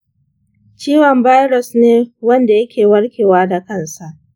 ciwon virus ne wanda yake warkewa da kansa.